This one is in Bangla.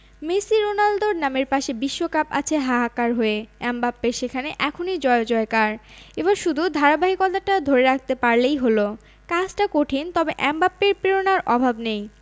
মেসি রোনালদোর নামের পাশে বিশ্বকাপ আছে হাহাকার হয়ে এমবাপ্পের সেখানে এখনই জয়জয়কার এবার শুধু ধারাবাহিকতাটা ধরে রাখতে পারলেই হলো কাজটা কঠিন তবে এমবাপ্পের প্রেরণার অভাব নেই